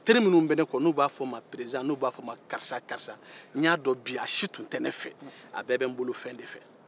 teri minnu bɛ ne kɔ n'u b'a fɔ ne ma perisidan n'u b'a fɔ ne ma karisa-karisa u si tun tɛ ne fɛ a bɛɛ bɛ n bolo fɛ de fɛ